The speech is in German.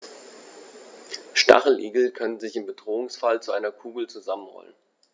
Stacheligel können sich im Bedrohungsfall zu einer Kugel zusammenrollen.